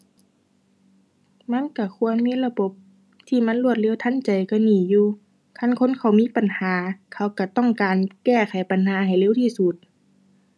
มันก็ควรมีระบบที่มันรวดเร็วทันใจกว่านี้อยู่ คันคนเขามีปัญหา เขาก็ต้องการแก้ไขปัญหาให้เร็วที่สุด ⁠